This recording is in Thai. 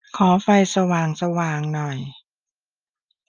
ขอไฟสว่างสว่างหน่อย